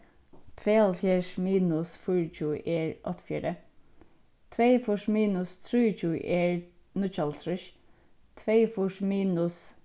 tveyoghálvfjerðs minus fýraogtjúgu er áttaogfjøruti tveyogfýrs minus trýogtjúgu er níggjuoghálvtrýss tveyogfýrs minus